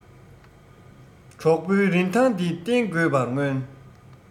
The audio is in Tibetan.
གྲོགས པོའི རིན ཐང འདི རྟེན དགོས པར མངོན